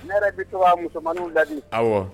Ne yɛrɛ bi to ka musomanininw ladi awɔ